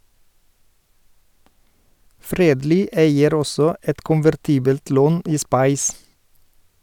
Fredly eier også et konvertibelt lån i SPICE.